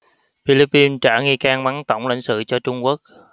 philippines trả nghi can bắn tổng lãnh sự cho trung quốc